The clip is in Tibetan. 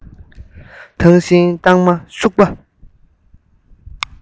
ཐང ཤིང སྟག མ ཤུག པ